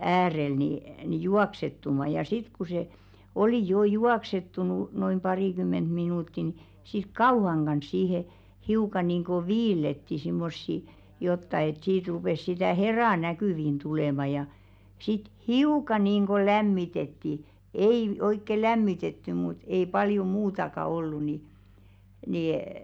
äärelle niin niin juoksettumaan ja sitten kun se oli jo juoksettunut noin parikymmentä minuuttia niin sitten kauhan kanssa siihen hiukan niin kuin viillettiin semmoisia jotakin että siitä rupesi sitä heraa näkyviin tulemaan ja sitten hiukan niin kuin lämmitettiin ei oikein lämmitetty mutta ei paljon muutakaan ollut niin -